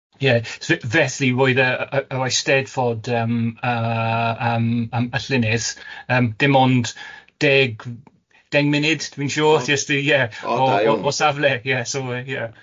Ie so felly roedd yy yy yr Eisteddfod yym yy yym yym y llynedd yym dim ond deg... deng munud, dwi'n siŵr, jyst i- ie o safle ie so ie.